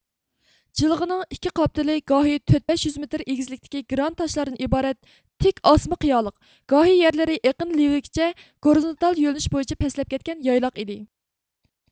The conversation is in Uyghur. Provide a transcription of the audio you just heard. جىلغىنىڭ ئىككى قاپتىلى گاھى تۆت بەش يۈز مېتىر ئېگىزلىكتىكى گرانت تاشلاردىن ئىبارەت تىك ئاسما قىيالىق گاھى يەرلىرى ئېقىن لېۋىگىچە گورزۇنتال يۆنىلىش بويىچە پەسلەپ كەتكەن يايلاق ئىدى